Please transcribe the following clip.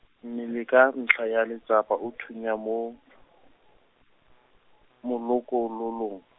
mmele ka ntlha ya letsapa o thunya mo , molokololong.